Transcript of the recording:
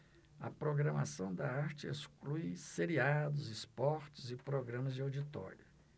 a programação da arte exclui seriados esportes e programas de auditório